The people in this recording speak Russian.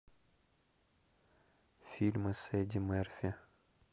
фильмы с эдди мерфи